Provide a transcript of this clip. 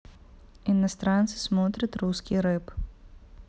иностранцы смотрят русский рэп